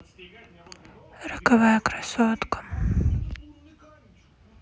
роковая красотка